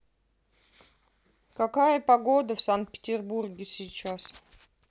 какая погода в санкт петербурге сейчас